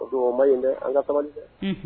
K'a sɔrɔ o maɲi dɛ an ka sabali dɛ, unhun.